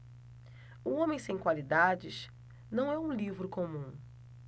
o homem sem qualidades não é um livro comum